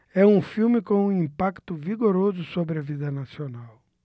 é um filme com um impacto vigoroso sobre a vida nacional